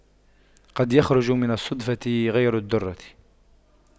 قد يخرج من الصدفة غير الدُّرَّة